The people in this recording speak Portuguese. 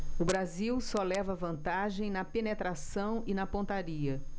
o brasil só leva vantagem na penetração e na pontaria